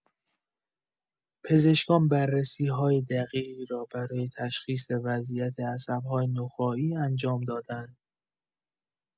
پزشکان بررسی‌های دقیقی را برای تشخیص وضعیت عصب‌های نخاعی انجام دادند.